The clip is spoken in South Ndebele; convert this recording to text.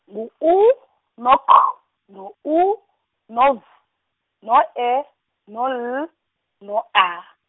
ngu U, no K, no U, no V, no E, no L, no A.